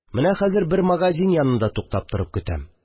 Менә хәзер бер магазин янында туктап торып көтәм